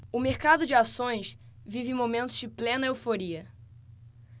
o mercado de ações vive momentos de plena euforia